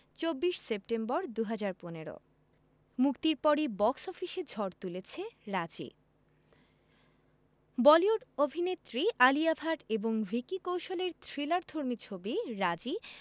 ২৪ September ২০১৫ মুক্তির পরই box অফিসে ঝড় তুলেছে রাজি বলিউড অভিনেত্রী আলিয়া ভাট এবং ভিকি কৌশলের থ্রিলারধর্মী ছবি রাজী